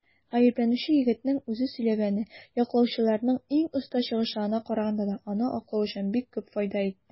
Гаепләнүче егетнең үзе сөйләгәне яклаучыларның иң оста чыгышларына караганда да аны аклау өчен бик күп файда итте.